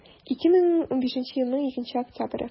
2015 елның 2 октябре